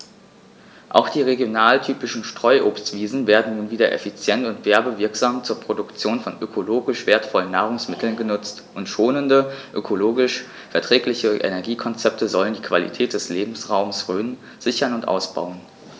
Auch die regionaltypischen Streuobstwiesen werden nun wieder effizient und werbewirksam zur Produktion von ökologisch wertvollen Nahrungsmitteln genutzt, und schonende, ökologisch verträgliche Energiekonzepte sollen die Qualität des Lebensraumes Rhön sichern und ausbauen.